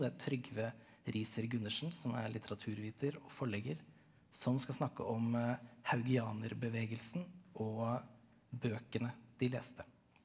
det er Trygve Riiser Gundersen som er litteraturviter og forlegger som skal snakke om haugianerbevegelsen og bøkene de leste.